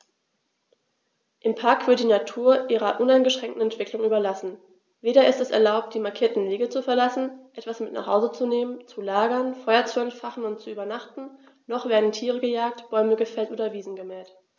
Im Park wird die Natur ihrer uneingeschränkten Entwicklung überlassen; weder ist es erlaubt, die markierten Wege zu verlassen, etwas mit nach Hause zu nehmen, zu lagern, Feuer zu entfachen und zu übernachten, noch werden Tiere gejagt, Bäume gefällt oder Wiesen gemäht.